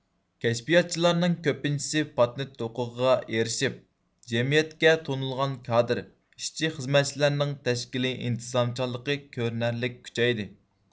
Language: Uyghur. كەشپىياتچىلارنىڭ كۆپىنچىسى پاتېنت ھوقۇقىغا ئېرىشىپ جەمئىيەتكە تونۇلغان كادىر ئىشچى خىزمەتچىلەرنىڭ تەشكىلىي ئىنتىزامچانلىقى كۆرۈنەرلىك كۈچەيدى